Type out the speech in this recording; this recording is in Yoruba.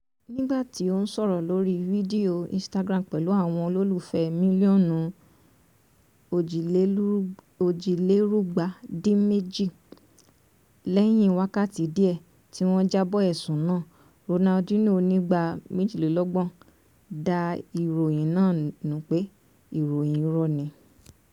Nígbà tí ó ń sọ̀rọ̀ lórí Fídíò Instagram pẹ̀lú àwọn olólùfẹ́ míllíọ̀nù 142 lẹ́yìn wákàtí díẹ̀ tí wọ́n jábọ̀ ẹ̀sùn náà, Ronaldo, 33, dá ìròyìn náà nù pé “ìròyìn irọ́” ni.